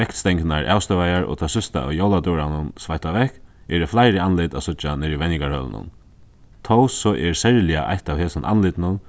vektstengurnar avstøvaðar og tað síðsta av jóladøgurðanum sveittað vekk eru fleiri andlit at síggja niðri í venjingarhølunum tó so er serliga eitt av hesum andlitunum